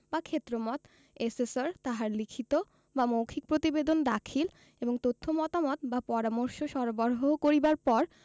বা ক্ষেত্রমত এসেসর তাহার লিখিত বা মৌখিক প্রতিবেদন দাখিল এবং তথ্য মতামত বা পরামর্শ সরবরাহ করিবার পর